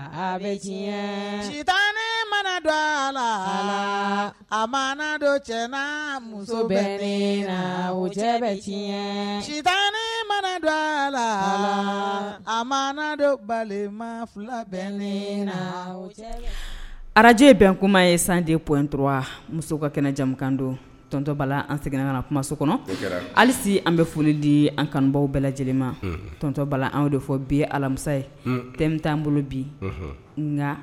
A bɛ mana dɔ a la a ma dɔ cɛla muso bɛta mana dɔ a la a ma dɔ balima fila bɛ le araj ye bɛn kuma ye sanji ptura muso ka kɛnɛja kan don tɔntɔ bala an seginna ka na kumaso kɔnɔ hali an bɛ foli di an kanubaw bɛɛ lajɛlen ma tɔntɔ bala an de fɔ bi alamisa ye te tan bolo bi nka